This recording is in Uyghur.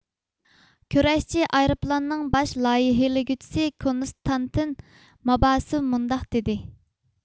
كۆرەشچى ئايرۇپىلاننىڭ باش لايىھىلىگۈچىسى كونستانتىن ماباسېۋ مۇنداق دېدى